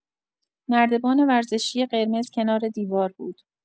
نردبان ورزشی قرمز کنار دیوار بود.